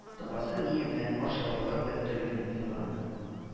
Табасы-ние белән ашъяулыгы белән төргән иде ул аны